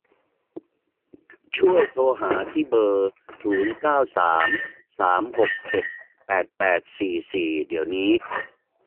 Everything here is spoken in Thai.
ช่วยโทรหาที่เบอร์ศูนย์เก้าสามสามหกเจ็ดแปดแปดสี่สี่เดี๋ยวนี้